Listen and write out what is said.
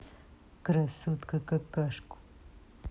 красотка какашку